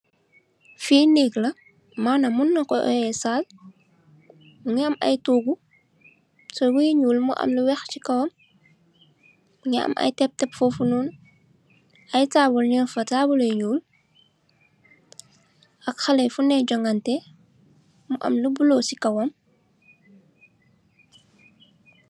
Fi nèeg la, manam na nga ko oyeah saal, mungi am ay toogu, toogu yu ñuul mungi am lu weeh ci kawam. Mungi am ay tèb-tèb fofunoon ay taabul nung fa taabul yu ñuul ak haley fu ngi jogantè, mu am lu bulo ci kawam.